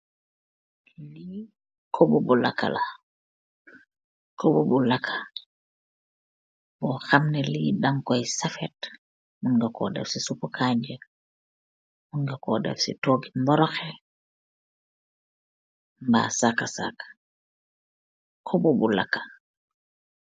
Kobobulaka puur lehka.